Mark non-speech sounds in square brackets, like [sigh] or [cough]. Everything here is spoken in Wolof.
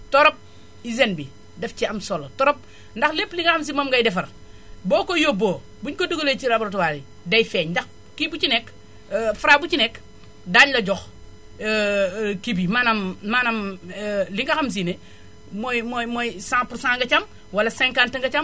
trop hygène bi daf ci am solo trop ndax lépp li nga xam si moom ngay defar boo ko yóbboo bu ñu ko dugalee ci laboratoire yi day feeñ ndax kii bu ci nekk [hesitation] Fra bu ci nekk daañu la jox [hesitation] kii bi maanaam maanaam [hesitation] li nga xam si ne mooy mooy mooy cent pour cent nga ci am wala 50 nga ci am